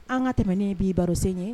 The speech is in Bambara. An ka tɛmɛen b'i barosen ye